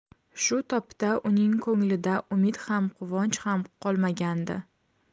shu topda uning ko'nglida umid ham quvonch ham qolmagandi